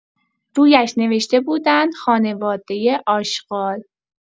رویش نوشته بودند خانواده آشغال